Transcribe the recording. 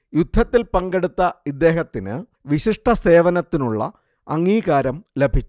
യുദ്ധത്തിൽ പങ്കെടുത്ത ഇദ്ദേഹത്തിന് വിശിഷ്ട സേവനത്തിനുള്ള അംഗീകാരം ലഭിച്ചു